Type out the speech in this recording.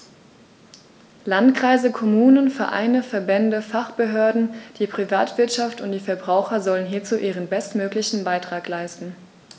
Landkreise, Kommunen, Vereine, Verbände, Fachbehörden, die Privatwirtschaft und die Verbraucher sollen hierzu ihren bestmöglichen Beitrag leisten.